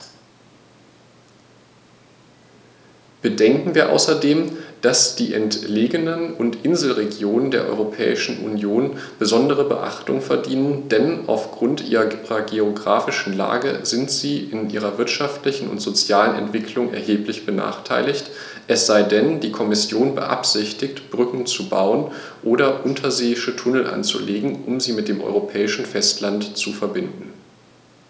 Bedenken wir außerdem, dass die entlegenen und Inselregionen der Europäischen Union besondere Beachtung verdienen, denn auf Grund ihrer geographischen Lage sind sie in ihrer wirtschaftlichen und sozialen Entwicklung erheblich benachteiligt - es sei denn, die Kommission beabsichtigt, Brücken zu bauen oder unterseeische Tunnel anzulegen, um sie mit dem europäischen Festland zu verbinden.